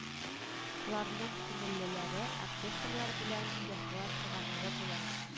Ларның күңеллеләре, оркестрлар белән ясала торганнары була,